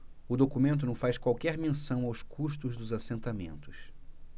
o documento não faz qualquer menção aos custos dos assentamentos